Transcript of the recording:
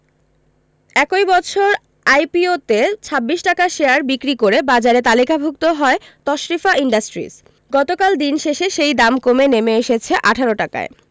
একই বছর আইপিওতে ২৬ টাকায় শেয়ার বিক্রি করে বাজারে তালিকাভুক্ত হয় তশরিফা ইন্ডাস্ট্রিজ গতকাল দিন শেষে সেই দাম কমে নেমে এসেছে ১৮ টাকায়